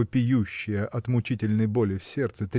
вопиющая от мучительной боли в сердце